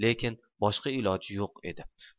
lekin boshqa iloji yo'q edi